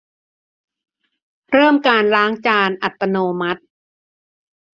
เริ่มการล้างจานอัตโนมัติ